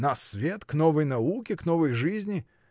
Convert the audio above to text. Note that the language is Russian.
— На свет: к новой науке, к новой жизни.